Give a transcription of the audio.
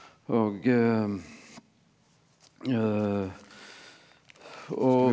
og og.